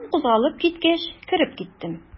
Шуннан кузгалып киткәч, кереп киттем.